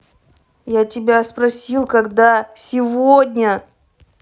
я тебя спросил когда сегодня